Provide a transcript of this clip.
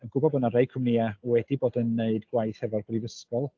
Dwi'n gwybod bod 'na rai cwmnïau wedi bod yn wneud gwaith efo'r brifysgol.